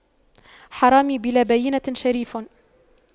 حرامي بلا بَيِّنةٍ شريف